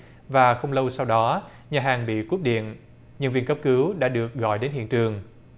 và không lâu sau đó nhà hàng bị cúp điện nhân viên cấp cứu đã được gọi đến hiện trường